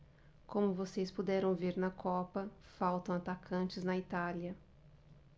como vocês puderam ver na copa faltam atacantes na itália